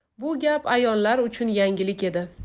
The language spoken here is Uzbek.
bu gap a'yonlar uchun yangilik edi